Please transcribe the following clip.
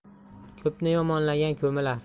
ko'pni yomonlagan ko'milar